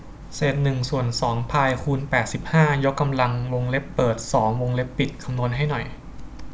เศษหนึ่งส่วนสองพายคูณแปดสิบห้ายกกำลังวงเล็บเปิดสองวงเล็บปิดคำนวณให้หน่อย